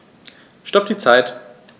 Stopp die Zeit